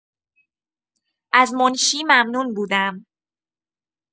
از منشی ممنون بودم.